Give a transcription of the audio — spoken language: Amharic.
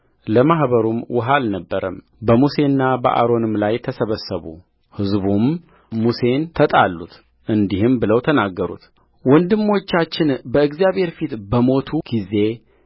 ለማኅበሩም ውኃ አልነበረም በሙሴና በአሮንም ላይ ተሰበሰቡሕዝቡም ሙሴን ተጣሉት እንዲህም ብለው ተናገሩት ወንድሞቻችን በእግዚአብሔር ፊት በሞቱ ጊዜ